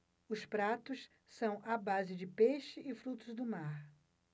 os pratos são à base de peixe e frutos do mar